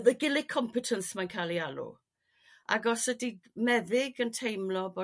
The Gilic Compitence mae'n ca'l ei alw. Ag os ydi meddyg yn teimlo bo'